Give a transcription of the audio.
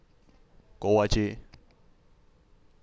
โกวาจี